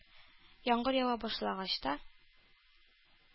Яңгыр ява башлагач та,